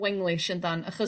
Wenglish yndan achos...